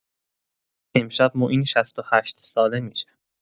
امشب معین ۶۸ ساله می‌شه.